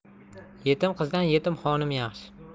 yetim qizdan yetim xotin yaxshi